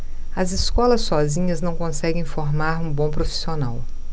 as escolas sozinhas não conseguem formar um bom profissional